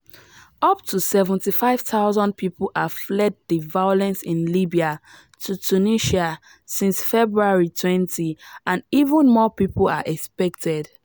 Up to 75,000 people have fled the violence in Libya to Tunisia, since February 20, and even more people are expected.